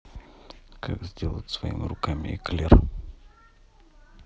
как сделать своими руками эклеры